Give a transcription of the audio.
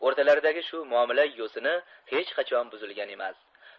o'rtalaridagi shu muomala yo'sini hech qachon buzilgan emas